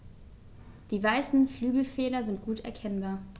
Die weißen Flügelfelder sind gut erkennbar.